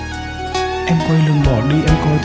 em em